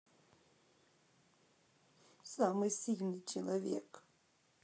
самый сильный человек